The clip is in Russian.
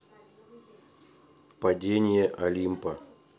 падение олимпа